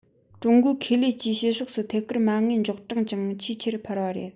ཀྲུང གོའི ཁེ ལས ཀྱིས ཕྱི ཕྱོགས སུ ཐད ཀར མ དངུལ འཇོག གྲངས ཀྱང ཆེས ཆེར འཕར བ རེད